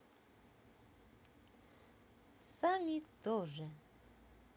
sumy тоже